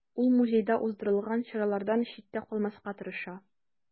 Ул музейда уздырылган чаралардан читтә калмаска тырыша.